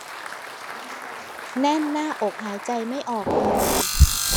แน่นหน้าอกหายใจไม่ออกเลย